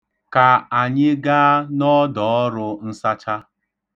Ka anyị gaa n'ọdọọrụ nsacha.